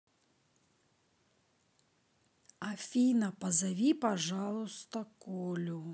афина позови пожалуйста колю